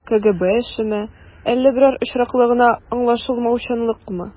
КГБ эшеме, әллә берәр очраклы гына аңлашылмаучанлыкмы?